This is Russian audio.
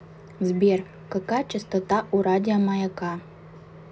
сбер какая частота у радио маяка